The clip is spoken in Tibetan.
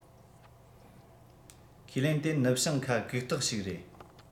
ཁས ལེན དེ ནུབ བྱང ཁ གུག རྟགས ཞིག རེད